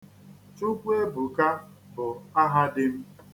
Chukwuebuka bụ aha di m.